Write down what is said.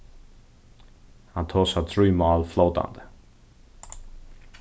hann tosar trý mál flótandi